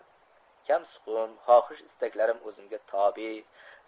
kamsuqum xohish istaklarim o'zimga tobe